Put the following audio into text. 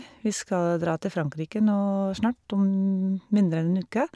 Vi skal dra til Frankrike nå snart, om mindre enn en uke.